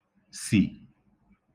sì